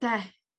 'De?